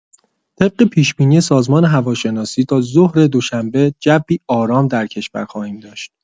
طبق پیش‌بینی سازمان هواشناسی تا ظهر دوشنبه جوی آرام در کشور خواهیم داشت.